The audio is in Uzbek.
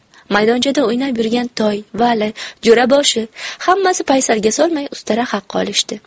maydonchada o'ynab yurgan toy vali jo'raboshi hammasi paysalga solmay ustara haqi olishdi